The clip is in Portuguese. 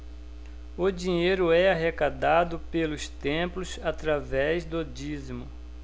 o dinheiro é arrecadado pelos templos através do dízimo